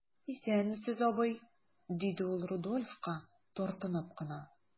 Исәнмесез, абый,– диде ул Рудольфка, тартынып кына.